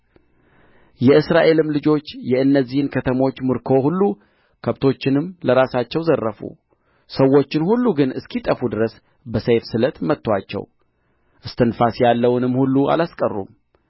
የእስራኤልም ልጆች የእነዚህን ከተሞች ምርኮ ሁሉ ከብቶቹንም ለራሳቸው ዘረፉ ሰዎቹን ሁሉ ግን እስኪጠፉ ድረስ በሰይፍ ስለት መቱአቸው እስትንፋስ ያለውንም ሁሉ አላስቀሩም